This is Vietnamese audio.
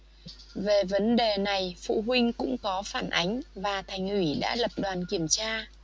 về vấn đề này phụ huynh cũng có phản ánh và thành ủy đã lập đoàn kiểm tra